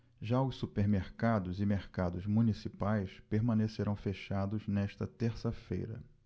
já os supermercados e mercados municipais permanecerão fechados nesta terça-feira